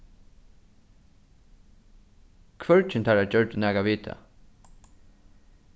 hvørgin teirra gjørdu nakað við tað